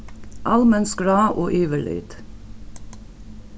almenn skrá og yvirlit